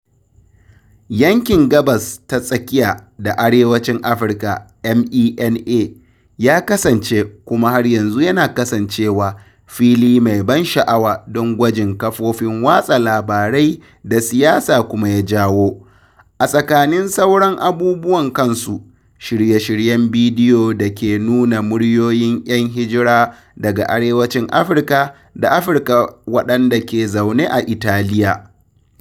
Yankin Gabas ta Tsakiya da Arewacin Afirka (MENA) ya kasance (kuma har yanzu yana kasancewa) fili mai ban sha’awa don gwajin kafofin watsa labarai da siyasa kuma ya jawo, a tsakanin sauran abubuwan kansu, shirye-shiryen bidiyo da ke nuna muryoyin ‘yan hijira daga Arewacin Afirka da Afirka waɗanda ke zaune a Italiya.